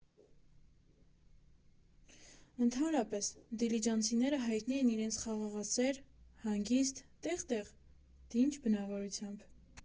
Ընդհանրապես, դիլիջանցիները հայտնի են իրենց խաղաղասեր, հանգիստ, տեղ֊տեղ՝ դինջ բնավորությամբ։